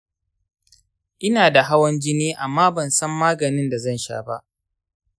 ina da hawan jini amma bansan maganin da zan sha ba.